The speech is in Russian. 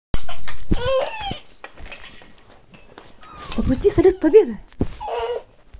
запусти салют победы